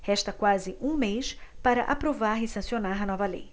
resta quase um mês para aprovar e sancionar a nova lei